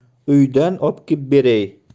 uydan obkeb beray